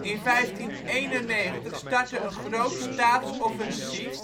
In 1591 startte een groot staats offensief